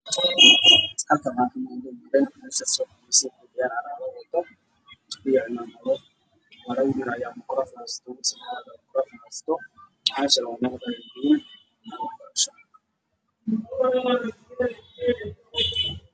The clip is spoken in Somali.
Waa ilmo yar yar oo dhar cad cad wato